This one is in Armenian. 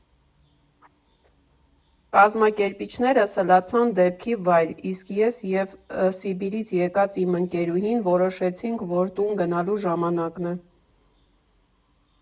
Կազմակերպիչները սլացան դեպքի վայր, իսկ ես և Սիբիրից եկած իմ ընկերուհին որոշեցինք, որ տուն գնալու ժամանակն է։